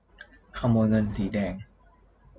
ขโมยเงินสีแดง